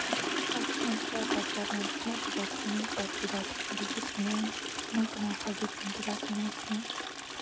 Կարծում եմ սա է պատճառներից մեկը, որ չունենք պատվիրատու, որի հետ միայն մեկ նախագիծ ենք իրականացրել։